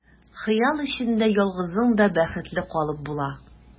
Хыял эчендә ялгызың да бәхетле калып була.